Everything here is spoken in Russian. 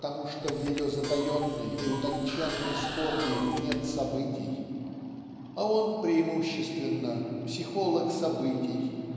потому что в ее затаенной и утонченной скорби нет событий а он преимущественно психолог событий